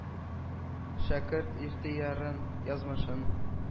Шәкерт ихтыярын, язмышын